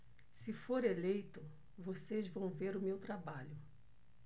se for eleito vocês vão ver o meu trabalho